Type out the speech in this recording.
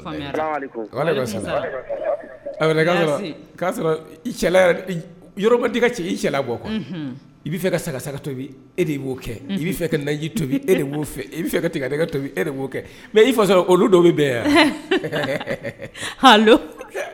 Cɛ cɛla bɔ i' fɛ ka saga sa tobi e deo kɛ i fɛ kaji tobi eo i bɛ ka tobi e de b'o kɛ mɛ i fa sɔrɔ olu dɔ bɛ bɛn yan